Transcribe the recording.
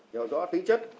hiểu rõ tính chất